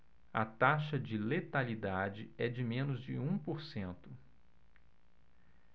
a taxa de letalidade é de menos de um por cento